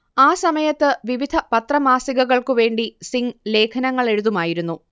ആ സമയത്ത് വിവിധ പത്രമാസികകൾക്കുവേണ്ടി സിംഗ് ലേഖനങ്ങളെഴുതുമായിരുന്നു